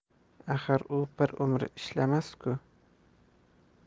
axir u bir umr ishlamas ku